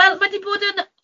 Wel, ma'i 'di bod yn